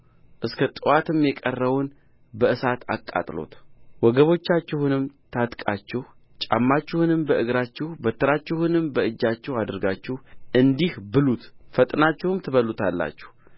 እስከ ጥዋትም የቀረውን በእሳት አቃጥሉት ወገቦቻችሁን ታጥቃችሁ ጫማችሁን በእግራችሁ በትራችሁንም በእጃችሁ አድርጋችሁ እንዲህ ብሉት ፈጥናችሁም ትበሉታላችህ